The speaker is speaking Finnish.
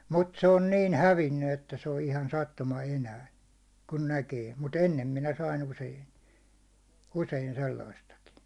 mutta se on niin hävinnyt että se on ihan sattuma enää kun näkee mutta ennen minä sain usein usein sellaistakin